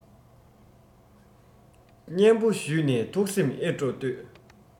སྙན པོ ཞུས ནས ཐུགས སེམས ཨེ སྤྲོ ལྟོས